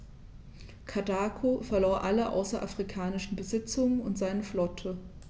Karthago verlor alle außerafrikanischen Besitzungen und seine Flotte.